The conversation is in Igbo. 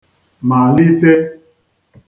màlite